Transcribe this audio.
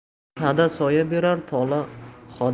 sada soya berar tol xoda